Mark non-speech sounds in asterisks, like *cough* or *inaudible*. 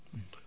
*hesitation* *hesitation*